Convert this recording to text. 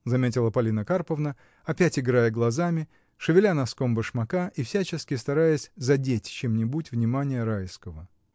— заметила Полина Карповна, опять играя глазами, шевеля носком башмака и всячески стараясь задеть чем-нибудь внимание Райского.